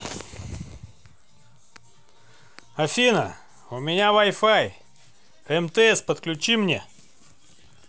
афина у меня вай фай мтс подключи мне